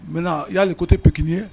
N mɛ y'ale ko tɛ pki ye